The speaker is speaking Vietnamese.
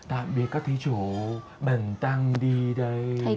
tạm biệt các thí chủ bần tăng đi đây